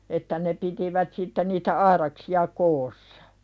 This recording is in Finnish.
että ne pitivät sitten niitä aidaksia koossa